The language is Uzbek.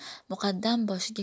muqaddam boshiga